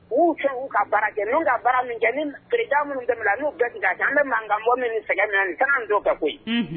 Uu fɛ u ka baara kɛ n'u ka baara min kɛ ni è presidents minnu tɛmɛ n'u bɛ ton k'a kɛ, an bɛ mankan bɔ min ni sɛgɛn min na nin ye, sisan an tun r'o kɛ koyi; unhun.